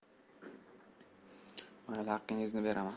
mayli haqingizni beraman